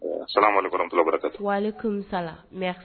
Salamalekun Warakamatula barakatu, walekum Salam, merci.